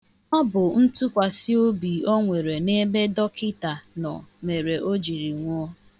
Ọ bụ ntụkwasịobi o nwere n'ebe dọkịta nọ mere o jiri nwụọ.